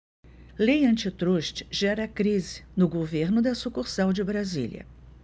lei antitruste gera crise no governo da sucursal de brasília